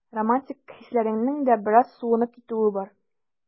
Романтик хисләреңнең дә бераз суынып китүе бар.